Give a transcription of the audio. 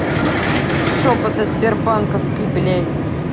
шепоты сбербанковский блядь